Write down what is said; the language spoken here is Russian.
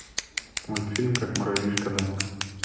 мультфильм как муравьишка домой